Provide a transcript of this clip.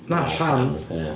Na, rhan... Ia